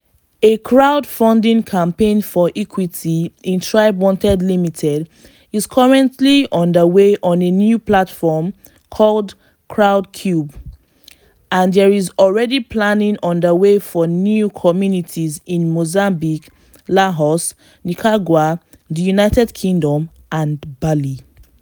A crowd-funding campaign for equity in TribeWanted Ltd is currently underway on a new platform called Crowdcube, and there is already planning underway for new communities in Mozambique, Laos, Nicaragua, the United Kingdom and Bali.